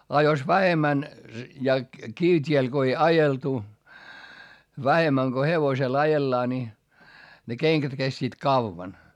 ja jos vähemmän ja kivitiellä kun ei ajeltu vähemmän kun hevosella ajellaan niin ne kengät kestivät kauan